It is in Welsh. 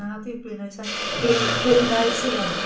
nadi Blaenau Saint, Blae- Blaenau Seiont